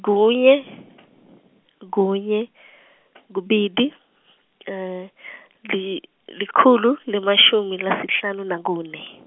kunye kunye kubili li likhulu lemashumi lasihlanu nakunye.